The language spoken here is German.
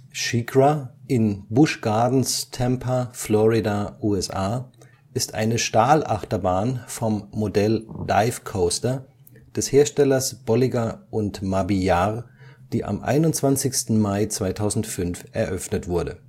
SheiKra [ˈʃiːkrə] in Busch Gardens Tampa (Tampa, Florida, USA) ist eine Stahl-Achterbahn vom Modell Dive Coaster des Herstellers Bolliger & Mabillard, die am 21. Mai 2005 eröffnet wurde